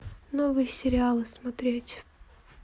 новые сериалы смотреть